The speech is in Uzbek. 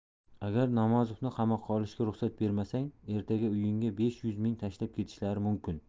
agar namozovni qamoqqa olishga ruxsat bermasang ertaga uyingga besh yuz ming tashlab ketishlari mumkin